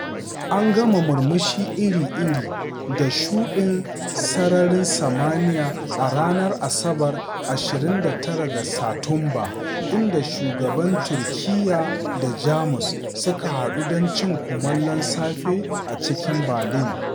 An ga murmurshi iri-iri da shuɗin sararin samaniya a ranar Asabar (29 ga Satumba) inda shugabannin Turkiyya da Jamus suka haɗu don cin kumallon safe a cikin Berlin.